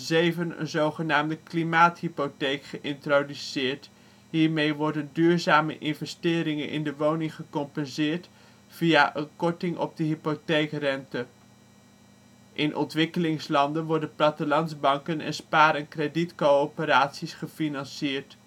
2007 een zogenaamde Klimaathypotheek geïntroduceerd, hiermee worden duurzame investeringen in de woning gecompenseerd via een korting op de hypotheekrente. In ontwikkelingslanden worden plattelandsbanken en spaar - en kredietcoöperaties gefinancierd